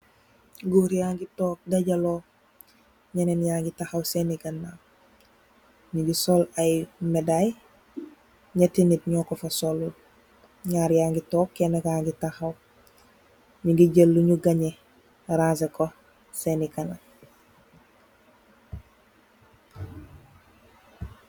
Gór ya ngi tóóg dejello ñenen ña ngi taxaw sèèn ni ganaw, ñi ñgi sol ay medai. Ñetti nit ño ko fa solut, ñaari ya ngi tóóg Kenna ka ngi taxaw , ñi ñgi jél li ñgi gañeh raaseh ko sééni kanam.